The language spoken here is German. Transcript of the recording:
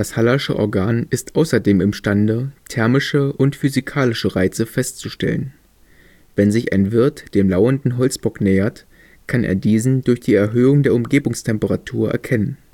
Hallersche Organ ist außerdem imstande, thermische und physikalische Reize festzustellen. Wenn sich ein Wirt dem lauernden Holzbock nähert, kann er diesen durch die Erhöhung der Umgebungstemperatur erkennen